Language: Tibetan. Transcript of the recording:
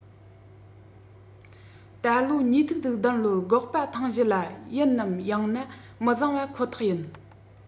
ད ལོའི ༢༠༠༧ ལོར སྒོག པ ཐང གཞི ལ ཡིན ནམ ཡང ན མི བཟང པ ཁོ ཐག ཡིན